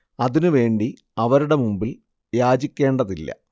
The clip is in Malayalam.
അതിനു വേണ്ടി അവരുടെ മുമ്പിൽ യാചിക്കേണ്ടതില്ല